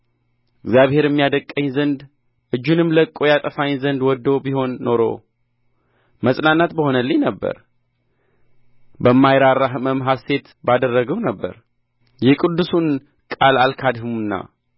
እግዚአብሔርም ያደቀኝ ዘንድ እጁንም ለቅቆ ያጠፋኝ ዘንድ ወድዶ ቢሆን ኖሮ መጽናናት በሆነልኝ ነበር በማይራራ ሕመም ሐሤት ባደረግሁ ነበር የቅዱሱን ቃል አልካድሁምና